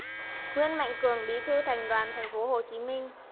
nguyễn mạnh cường bí thư thành đoàn thành phố hồ chí minh